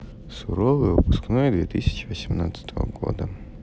суровый выпускной две тысячи восемнадцатого года